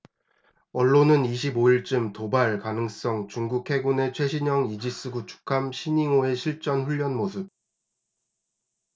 언론은 이십 오 일쯤 도발 가능성중국 해군의 최신형 이지스 구축함 시닝호의 실전훈련 모습